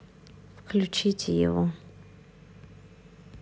включи его